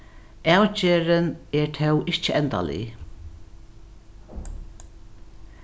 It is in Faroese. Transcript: avgerðin er tó ikki endalig